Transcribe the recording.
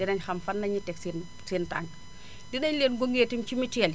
danañ xam fan lañuy teg seen seen tànk dinañu leen gunge tamit ci mutuel yi